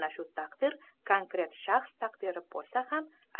ana shu taqdir muayyan shaxs taqdiri bo'lsa ham